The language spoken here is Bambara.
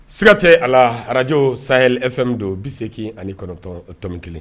Siga tɛ a la Radio Sahel F M don 89.1